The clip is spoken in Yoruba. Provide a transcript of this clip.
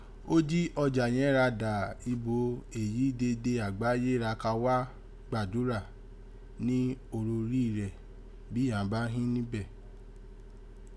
Ó jí ọjà yẹ̀n ra dà ibo èyí dede agbaye ra ka wá wá gbadura ni orórì rẹ̀, bi ghán bá hín níbẹ̀.